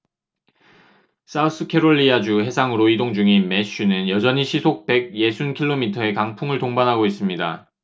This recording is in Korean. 사우스캐롤리아 주 해상으로 이동 중인 매슈는 여전히 시속 백 예순 킬로미터의 강풍을 동반하고 있습니다